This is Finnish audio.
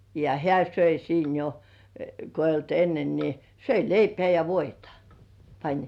ja hän söi siinä jo kun ei ollut ennen niin söi leipää ja voita pani